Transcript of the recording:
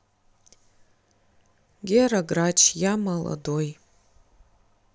гера грач я молодой